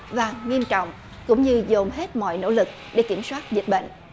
và nghiêm trọng cũng như dồn hết mọi nỗ lực để kiểm soát dịch bệnh